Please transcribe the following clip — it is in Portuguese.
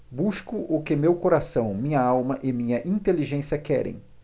busco o que meu coração minha alma e minha inteligência querem